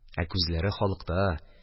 Ә күзләре халыкта